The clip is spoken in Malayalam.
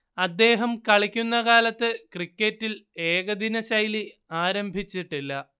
അദ്ദേഹം കളിക്കുന്ന കാലത്ത് ക്രിക്കറ്റിൽ ഏകദിനശൈലി ആരംഭിച്ചിട്ടില്ല